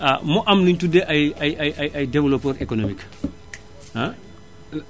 ah mu am li ñu tuddee ay ay ay ay ay développeurs économique ah